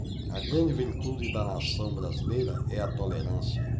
a grande virtude da nação brasileira é a tolerância